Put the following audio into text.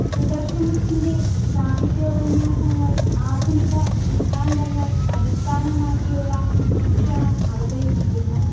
സുദർശനത്തിന്റെ സാഹിത്യോപന്യാസങ്ങൾ ആധുനിക സിദ്ധാന്തങ്ങൾ അടിസ്ഥാനമാക്കിയുള്ള വീക്ഷണം അവതരിപ്പിക്കുന്നു